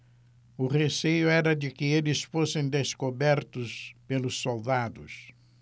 o receio era de que eles fossem descobertos pelos soldados